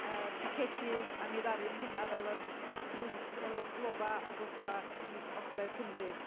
yy bicedu a mi ddaru ni hynna fel yr pwynt y l- lofa agosa i Ogledd Cymru.